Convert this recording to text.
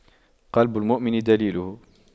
قلب المؤمن دليله